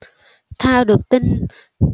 thao được tin